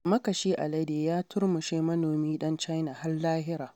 Makashi Alade ya Turmushe Manomi Dan China har Lahira